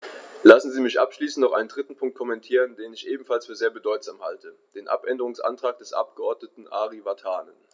Lassen Sie mich abschließend noch einen dritten Punkt kommentieren, den ich ebenfalls für sehr bedeutsam halte: den Abänderungsantrag des Abgeordneten Ari Vatanen.